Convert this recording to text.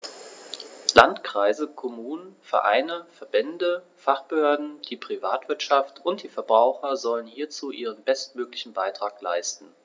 Landkreise, Kommunen, Vereine, Verbände, Fachbehörden, die Privatwirtschaft und die Verbraucher sollen hierzu ihren bestmöglichen Beitrag leisten.